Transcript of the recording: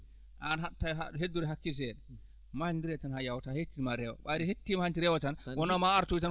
an haad taw aɗa heddori hakkil seeɗa mayonndiree tan haa yawta sa hettima tan reewa ɓaade hettima hanti reewa tan wonno ma artoy tan